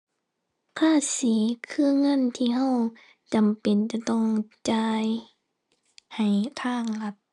ภาษีคือเงินที่เราจำเป็นจะต้องจ่ายให้ทางรัฐ